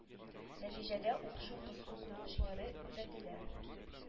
Нәтиҗәдә укшу косу күренешләре күзәтелә